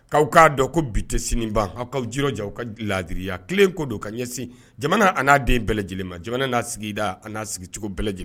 'aw k'a dɔn ko bite sini ban aw kaaw jiri jan ka ladiriya kelen ko don ka ɲɛsin jamana n'a den bɛɛlɛ lajɛlen ma jamana n'a sigida a n'a sigicogo bɛɛlɛ lajɛlen